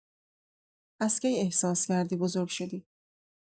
از کی احساس کردی بزرگ شدی؟